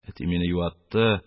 Әти мине юатты